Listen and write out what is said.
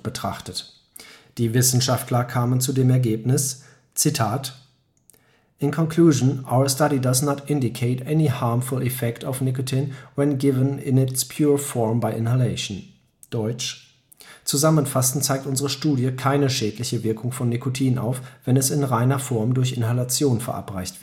betrachtet. Die Wissenschaftler kamen zu dem Ergebnis: “In conclusion, our study does not indicate any harmful effect of nicotine when given in its pure form by inhalation.” „ Zusammenfassend zeigt unsere Studie keine schädliche Wirkung von Nikotin auf, wenn es in reiner Form durch Inhalation verabreicht